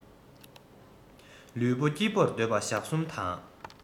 ལུས པོ སྐྱིད པོར སྡོད པ ཞག གསུམ དང